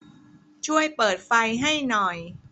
ช่วยเปิดไฟให้หน่อย